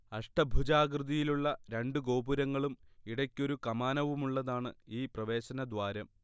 അഷ്ടഭുജാകൃതിയിലുള്ള രണ്ടു ഗോപുരങ്ങളും ഇടയ്ക്കൊരു കമാനവുമുള്ളതാണ് ഈ പ്രവേശനദ്വാരം